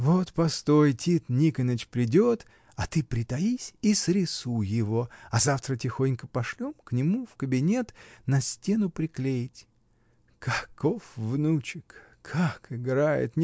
Вот постой, Тит Никоныч придет, а ты притаись, да и срисуй его, а завтра тихонько пошлем к нему в кабинет на стену приклеить! Каков внучек? Как играет!